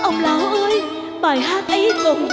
ông lão ơi bài hát ấy còn